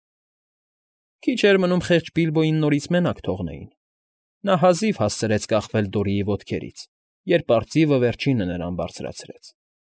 Քիչ էր մնում խեղճ Բիլբոյին նորից մենակ թողնեին… Նա հազիվ հասցրեց կախվել Դորիի ոտքերից, երբ արծիվը վերջինը նրան բարձրացրեց։